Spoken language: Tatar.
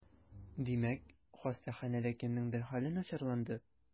Димәк, хастаханәдә кемнеңдер хәле начарланды?